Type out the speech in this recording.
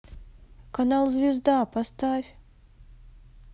канал звезда поставь